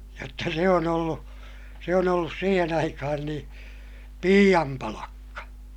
jotta se on ollut se on ollut siihen aikaan niin piian palkka